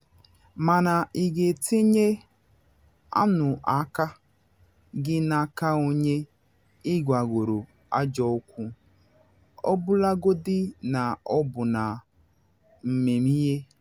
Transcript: “Mana ị ga-etinye ụmụaka gị n’aka onye ị gwagoro ajọ okwu, ọbụlagodi na ọ bụ na mmehie?